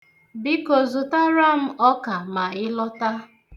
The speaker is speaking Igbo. Biko zụtara m ọka ma ị lọta.